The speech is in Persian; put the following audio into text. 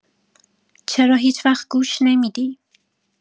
چرا هیچ‌وقت گوش نمی‌دی؟